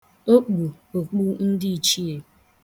O kpu okpu ndị ichie.